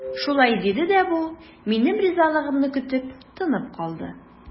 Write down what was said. Шулай диде дә бу, минем ризалыгымны көтеп, тынып калды.